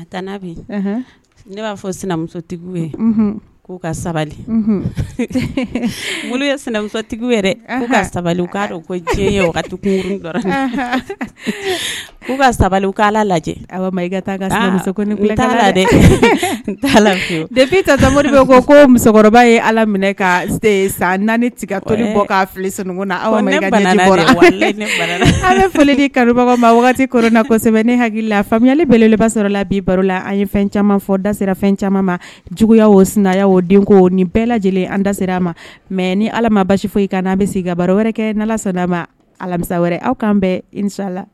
N'a bi ne b'a fɔ sinamusotigiw ye k' ka sabali olu ye sinamusotigiw yɛrɛ ka sabali ko diɲɛ k'u ka sabali k ala lajɛ ma i ka taa la dɛ defin ta tamorikɛ ko ko musokɔrɔba ye ala minɛ ka sen sa naani tiga ko bɔ k' senkun aw a bɛ foli kanubagaw ma ko na kosɛbɛ ne hakilila faamuyayali bɛɛliba sɔrɔ la bi baro la an ye fɛn caman fɔ da sera fɛn caman ma juguya o sinaya o den ko nin bɛɛ lajɛlen an da sera a ma mɛ ni ala ma basi foyi i kan n'a bɛ se ka baro wɛrɛ kɛ nisadaba alamisa wɛrɛ aw'an bɛn i la